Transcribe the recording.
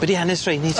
Be' di henes rheini te?